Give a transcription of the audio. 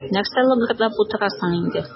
Нәрсә лыгырдап утырасың инде.